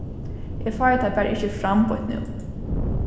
eg fái tað bara ikki fram beint nú